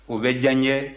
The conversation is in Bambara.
o bɛ diya n ye